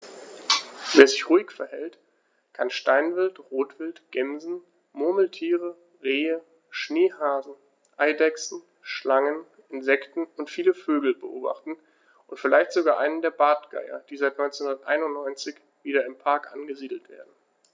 Wer sich ruhig verhält, kann Steinwild, Rotwild, Gämsen, Murmeltiere, Rehe, Schneehasen, Eidechsen, Schlangen, Insekten und viele Vögel beobachten, vielleicht sogar einen der Bartgeier, die seit 1991 wieder im Park angesiedelt werden.